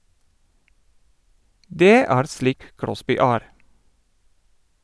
- Det er slik Crosby er.